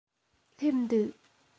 སླེབས འདུག